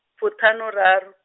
fuṱhanuraru.